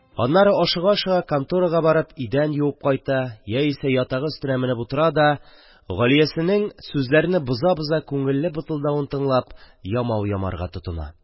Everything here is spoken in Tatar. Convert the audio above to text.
Аннары ашыга-ашыга конторга барып идән юып кайта яисә ятагы өстенә менеп утыра да, Галиясенең сүзләрне боза-боза күңелле бытылдавын тыңлап, ямау ямарга тотына.